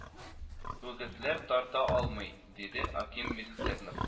Үгезләр тарта алмый, - диде Аким Бесхлебнов